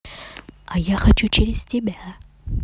а я хочу через тебя